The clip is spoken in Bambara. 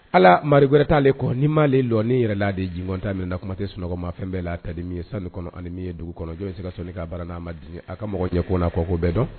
Ala ma wɛrɛta ale kɔ ni m maale la ni yɛrɛ' aale jiɔn ta min na kuma tɛ sunɔgɔma fɛn bɛɛ la kadimi ye sanu kɔnɔ animi ye dugu kɔnɔ jɔnse se ka so k ka bara n' ma di a ka mɔgɔ ɲɛ ko na ko ko bɛɛ dɔn